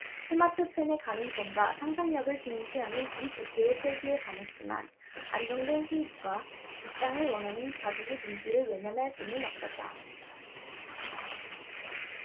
스마트펜의 가능성과 상상력을 중시하는 이 대표의 패기에 반했지만 안정된 수입과 직장을 원하는 가족의 눈길을 외면할 수는 없었다